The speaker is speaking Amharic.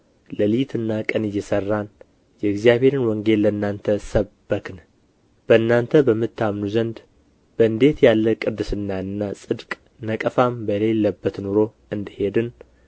ሌሊትና ቀን እየሠራን የእግዚአብሔርን ወንጌል ለእናንተ ሰበክን በእናንተ በምታምኑ ዘንድ በእንዴት ያለ ቅድስናና ጽድቅ ነቀፋም በሌለበት ኑሮ እንደ ሄድን